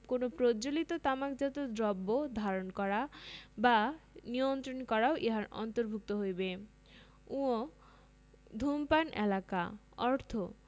কোন প্রজ্বলিত তামাকজাত দ্রব্য ধারণ করা বা নিয়ন্ত্রণ করাও ইহার অন্তর্ভুক্ত হইবে ঙ ধূমপান এলাকা অর্থ